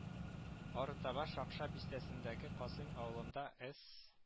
Арытаба Шакша бистәсендәге Касыйм авылында, эС